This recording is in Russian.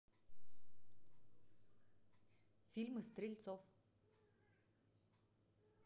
фильмы стрельцов